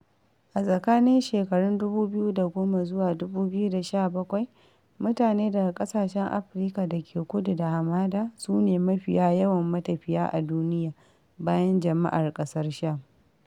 A tsakanin shekarun 2010-2017, mutane daga ƙasashen Afirka da ke kudu da hamada su ne mafiya yawan matafiya a duniya bayan jama'ar ƙasar Sham.